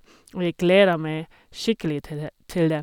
Og jeg gleder meg skikkelig te det til det.